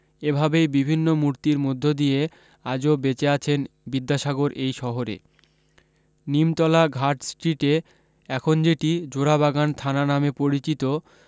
এ ভাবেই বিভিন্ন মূর্তীর মধ্য দিয়ে আজও বেঁচে আছেন বিদ্যাসাগর এই শহরে নিমতলা ঘাট স্ট্রীটে এখন যেটি জোড়াবাগান থানা নামে পরিচিত